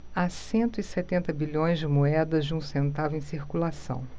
há cento e setenta bilhões de moedas de um centavo em circulação